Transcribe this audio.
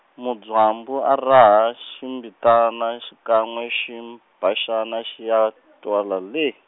Mudzwambu a raha ximbitana xikan'we xi mphaxana xi ya twala lee.